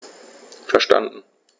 Verstanden.